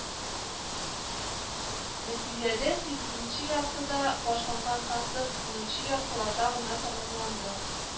Нәтиҗәдә, сигезенче яртыда башланган концерт унынчы яртыларда гына тәмамланды.